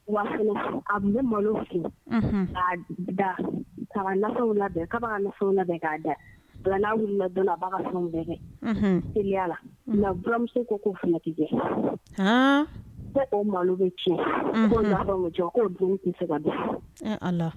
Wa a malo fili k' da ka naw labɛn kaw labɛn k'a da bila don a fɛn bɛya la nkauramuso ko kotijɛ ko malo bɛ tiɲɛ ko cɛ k' dun tɛ se